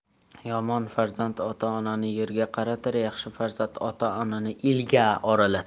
yomon farzand ota onani yerga qaratar yaxshi farzand ota onani elga oralatar